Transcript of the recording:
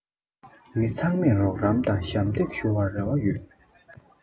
མི ཚང མས རོགས རམ དང ཞམ འདེགས ཞུ བར རེ བ ཡོད